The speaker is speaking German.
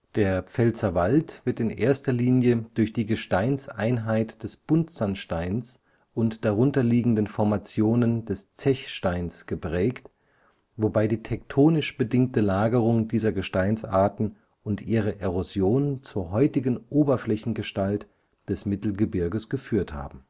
Der Pfälzerwald wird in erster Linie durch die Gesteinseinheit des Buntsandsteins und darunterliegenden Formationen des Zechsteins geprägt, wobei die tektonisch bedingte Lagerung dieser Gesteinsarten und ihre Erosion zur heutigen Oberflächengestalt des Mittelgebirges geführt haben